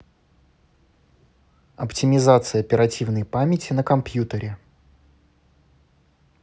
оптимизация оперативной памяти на компьютере